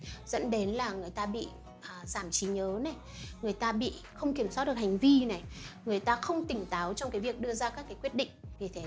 rất tới người ta bị giảm trí nhớ này không kiểm soát được hành vi này người ta không tỉnh táo trong cái việc đưa ra các quyết định